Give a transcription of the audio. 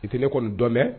I tɛ ne kɔni dɔn dɛ